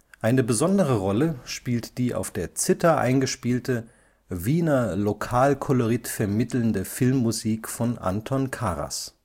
Eine besondere Rolle spielt die auf der Zither eingespielte, Wiener Lokalkolorit vermittelnde Filmmusik von Anton Karas